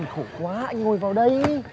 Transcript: khổ quá anh ngồi vào đây